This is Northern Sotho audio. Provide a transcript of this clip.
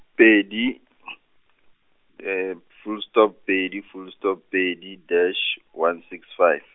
pedi , full stop pedi full stop pedi dash, one six five.